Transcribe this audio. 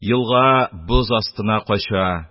Елга боз астына кача,